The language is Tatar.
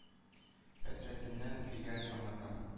Хәсрәтеннән көйгән анага.